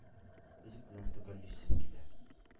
Өзек белән төгәллисем килә.